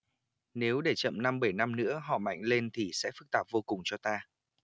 nếu để chậm năm bảy năm nữa họ mạnh lên thì sẽ phức tạp vô cùng cho ta